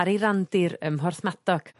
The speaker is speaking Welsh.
ar ei randir ym Mhorthmadog.